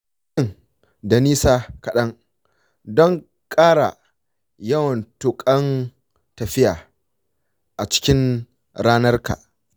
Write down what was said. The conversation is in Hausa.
yi fakin da nisa kaɗan don kara yawan takun tafiya a cikin ranarka.